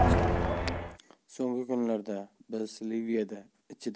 bu prezident erdo'g'on tomonidan belindagi anjuman vaqtida